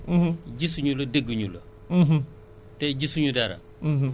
ñu ne la ah wax dëgg Yàlla de assurance bi gisuñ njëriñ li aprce que daal depis bi ñu defee ak léegi